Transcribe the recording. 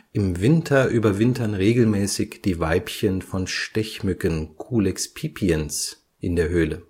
Im Winter überwintern regelmäßig die Weibchen von Stechmücken Culex pipiens in der Höhle